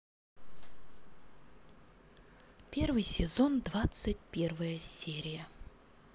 первый сезон двадцать первая серия